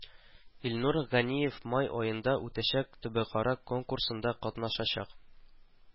Илнур Ганиев май аенда үтәчәк төбәкара конкурсында катнашачак